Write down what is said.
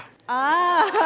à